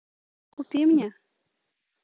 купи мне